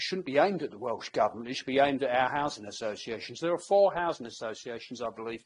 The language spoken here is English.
It shouldn't be aimed at the Welsh Government, it should be aimed at our housing associations. There are four housing associations I believe